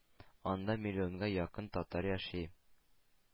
Анда миллионга якын татар яши.